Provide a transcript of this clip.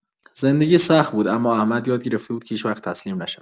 زندگی سخت بود، اما احمد یاد گرفته بود که هیچ‌وقت تسلیم نشود.